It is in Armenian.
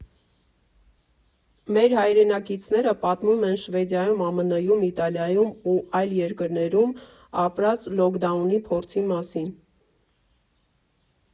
Մեր հայրենակիցները պատմում են Շվեդիայում, ԱՄՆ֊ում, Իտալիայում ու այլ երկրներում ապրած լոքդաունի փորձի մասին։